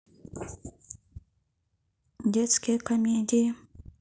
детские комедии